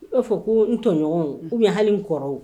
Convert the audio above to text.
U b'a fɔ ko n tɔɲɔgɔn u ye hali n kɔrɔw